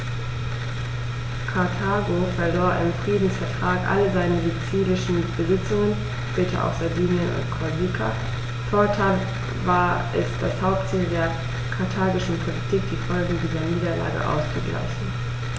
Karthago verlor im Friedensvertrag alle seine sizilischen Besitzungen (später auch Sardinien und Korsika); fortan war es das Hauptziel der karthagischen Politik, die Folgen dieser Niederlage auszugleichen.